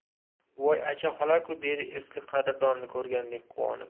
voy acha xola ku dedi eski qadrdonini ko'rgandek quvonib